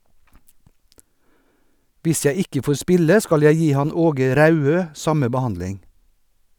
Hvis jeg ikke får spille skal jeg gi han Åge Rauø samme behandling.